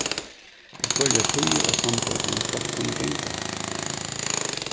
og hvørjar tíðir av samdøgrinum fólk kunnu ganga har